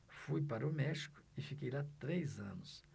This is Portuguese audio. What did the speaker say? fui para o méxico e fiquei lá três anos